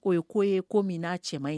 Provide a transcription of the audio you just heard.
Oo ye koo ye ko min n'a cɛ ye